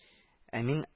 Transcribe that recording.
Ә мин